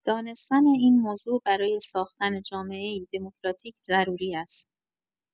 دانستن این موضوع برای ساختن جامعه‌ای دموکراتیک ضروری است.